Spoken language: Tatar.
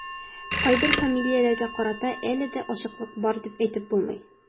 Кайбер фамилияләргә карата әле дә ачыклык бар дип әйтеп булмый.